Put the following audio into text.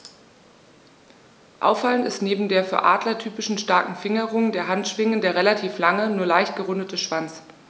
Auffallend ist neben der für Adler typischen starken Fingerung der Handschwingen der relativ lange, nur leicht gerundete Schwanz.